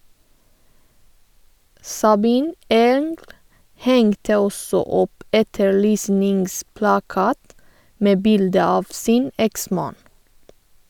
Sabine Engl hengte også opp etterlysningsplakat med bilde av sin eksmann.